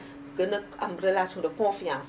gën a am relation de confiance